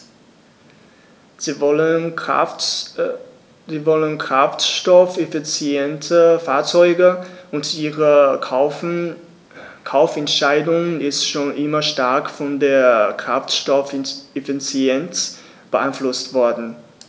Sie wollen kraftstoffeffiziente Fahrzeuge, und ihre Kaufentscheidung ist schon immer stark von der Kraftstoffeffizienz beeinflusst worden.